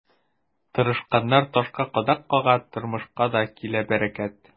Тырышканнар ташка кадак кага, тормышка да килә бәрәкәт.